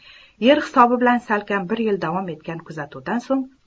yer hisobi bilan salkam bir yil davom etgan kuzatuvdan so'ng